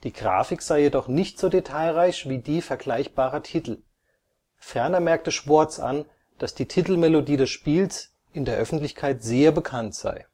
Grafik sei jedoch nicht so detailreich wie die vergleichbarer Titel. Ferner merkte Schwartz an, dass die Titelmelodie des Spiels in der Öffentlichkeit sehr bekannt sei